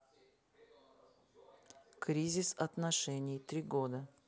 кризис отношений три года